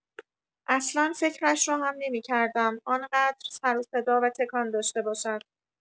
اصلا فکرش را هم نمی‌کردم آنقدر سر و صدا و تکان داشته باشد.